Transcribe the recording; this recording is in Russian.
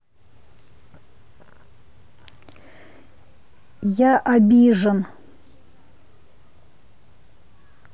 я обижен